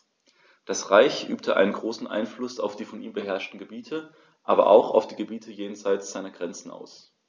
Das Reich übte einen großen Einfluss auf die von ihm beherrschten Gebiete, aber auch auf die Gebiete jenseits seiner Grenzen aus.